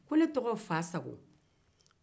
ne tɔgɔ ye fasago